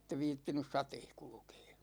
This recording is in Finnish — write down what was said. että en viitsinyt sateessa kulkea